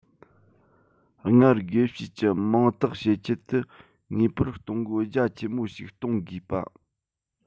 སྔར དགེ བཤེས ཀྱི མིང བཏགས བྱེད ཆེད དུ ངེས པར གཏོང སྒོ རྒྱ ཆེན པོ ཞིག གཏོང དགོས པ